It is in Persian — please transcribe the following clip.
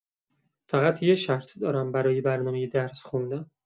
فقط یه شرط دارم برای برنامه درس خوندن.